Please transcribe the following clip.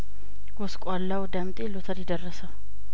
ጐስቋላው ዳምጤ ሎተሪ ደረሰው